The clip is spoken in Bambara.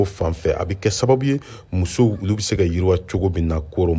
a bɛ kɛ sababu ye musow k'u bɛ se ka yiriwa cogo min na koro mara la